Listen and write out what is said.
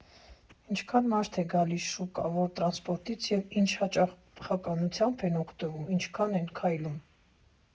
Ինչքան մարդ է գալիս շուկա, որ տրանսպորտից և ինչ հաճախականությամբ են օգտվում, ինչքան են քայլում։